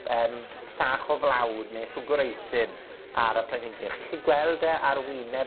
yym sach o flawd neu swgr eisyn ar y planhigyn, chi 'llu gweld e ar wyneb